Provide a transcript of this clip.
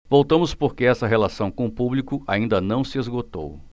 voltamos porque essa relação com o público ainda não se esgotou